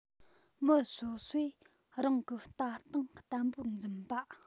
མི སོ སོས རང གི ལྟ སྟངས བརྟན པོར འཛིན པ